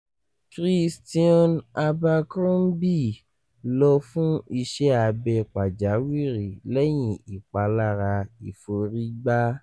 Christion Abercrombie lọ fún Iṣẹ́ Abẹ Pàjáwìrì Lẹ̀yìn Ìpalára Ìforígbà